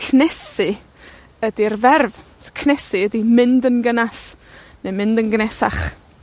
cnesu ydi'r ferf. S' cnesu ydi mynd yn gynnas neu mynd yn gynesach.